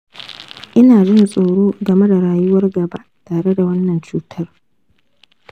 ina jin tsoro game da rayuwar gaba tare da wannan cutar.